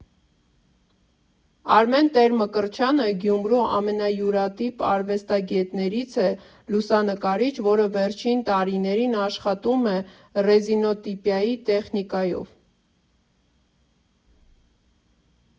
Արմեն Տեր֊Մկրտչյանը Գյումրու ամենայուրատիպ արվեստագետներից է, լուսանկարիչ, որը վերջին տարիներին աշխատում է ռեզինոտիպիայի տեխնիկայով։